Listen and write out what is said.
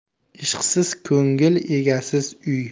ishqsiz ko'ngil egasiz uy